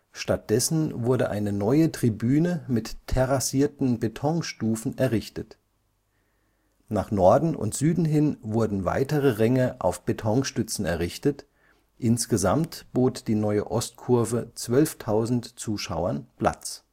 Stattdessen wurde eine neue Tribüne mit terrassierten Betonstufen errichtet. Nach Norden und Süden hin wurden weitere Ränge auf Betonstützen errichtet, insgesamt bot die neue Ostkurve 12.000 Zuschauern Platz